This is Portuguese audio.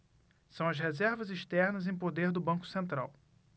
são as reservas externas em poder do banco central